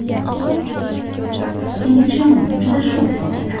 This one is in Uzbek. singilcham juda sho'x qiz edi